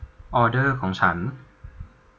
ออเดอร์ของฉัน